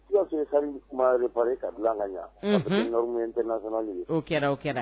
kuma réparer k'a dilan ka ɲɛ, unhun, a bɛ kɛ norme international ye, o kɛra